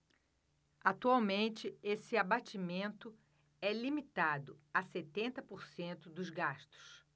atualmente esse abatimento é limitado a setenta por cento dos gastos